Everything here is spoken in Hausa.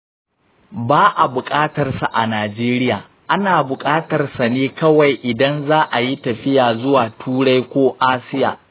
ba a buƙatarsa a najeriya. ana buƙatarsa ne kawai idan za a yi tafiya zuwa turai ko asiya.